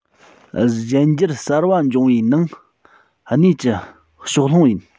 གཞན འགྱུར གསར པ འབྱུང བའི ནང གནས ཀྱི ཕྱོགས ལྷུང ཡིན